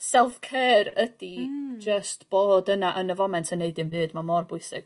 self care ydi... Hmm. ...jyst bod yna yn y foment yn neud dim byd ma' mor bwysig.